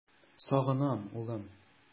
Сагынам, улым!